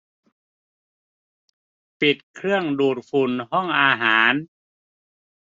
ปิดเครื่องดูดฝุ่นห้องอาหาร